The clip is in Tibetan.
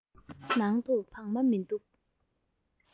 ནང དུ བག མ མི འདུག